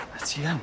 A ti yn?